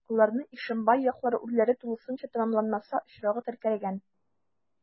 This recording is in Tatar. Аларны Ишембай яклары урләре тулысынча тәмамланмаса очрагы теркәлгән.